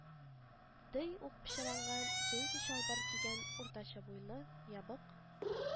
Дый ук пычранган джинсы чалбар кигән уртача буйлы, ябык